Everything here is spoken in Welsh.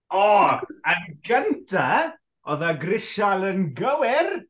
O yn gynta oedd y grisial yn gywir!